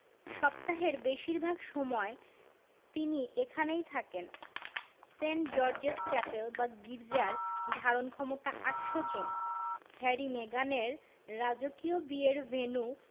সপ্তাহের বেশির ভাগ সময় তিনি এখানেই থাকেন সেন্ট জর্জেস চ্যাপেল বা গির্জার ধারণক্ষমতা ৮০০ জন হ্যারি মেগানের রাজকীয় বিয়ের ভেন্যু